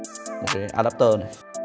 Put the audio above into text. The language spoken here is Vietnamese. cái a đáp tơ này